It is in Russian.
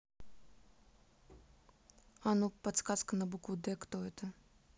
а ну подсказка на букву д кто это